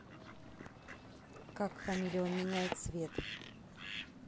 как хамелеон меняет цвет